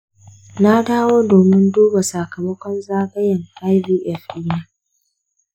na dawo domin duba sakamakon zagayen ivf dina